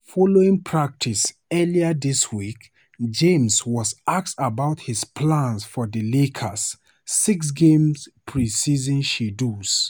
Following practice earlier this week, James was asked about his plans for the Lakers" six-game preseason schedule.